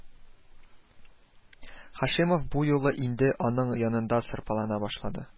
Һашимов бу юлы инде аның янында сырпалана башлады